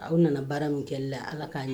Aw nana baara min kɛ la ala k'a ɲɛ